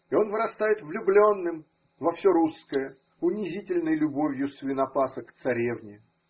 И он вырастает влюбленным во все русское унизительной любовью свинопаса к царевне.